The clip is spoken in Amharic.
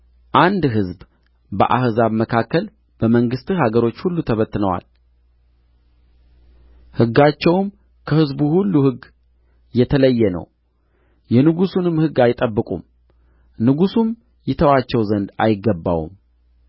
አንድ ሕዝብ በአሕዛብ መካከል በመንግሥትህ አገሮች ሁሉ ተበትነዋል ሕጋቸውም ከሕዝቡ ሁሉ ሕግ የተለየ ነው የንጉሡንም ሕግ አይጠብቁም ንጉሡም ይተዋቸው ዘንድ አይገባውም